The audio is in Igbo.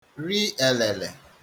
ri èlèlè